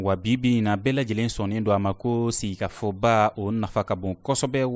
wa bi bi in na bɛɛ lajɛlen sɔnnen don a ma ko sigikafɔba o nafa ka bon kosɛbɛ